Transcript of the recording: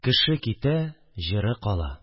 Кеше китә – җыры кала